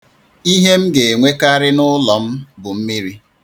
Ihe m ga-enwekarị n'ụlọ m bụ mmiri.